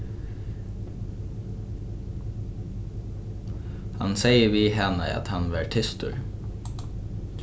hann segði við hana at hann var tystur